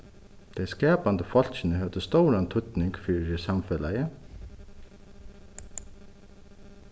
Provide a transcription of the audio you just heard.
tey skapandi fólkini høvdu stóran týdning fyri samfelagi